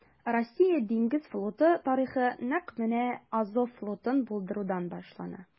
Россия диңгез флоты тарихы нәкъ менә Азов флотын булдырудан башлана.